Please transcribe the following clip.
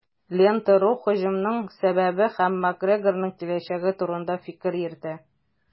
"лента.ру" һөҗүмнең сәбәбе һәм макгрегорның киләчәге турында фикер йөртә.